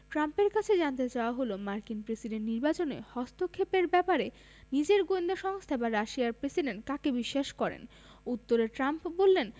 ট্রাম্পের কাছে জানতে চাওয়া হয় মার্কিন প্রেসিডেন্ট নির্বাচনে হস্তক্ষেপের ব্যাপারে নিজের গোয়েন্দা সংস্থা বা রাশিয়ার প্রেসিডেন্ট কাকে বিশ্বাস করেন উত্তরে ট্রাম্প বললেন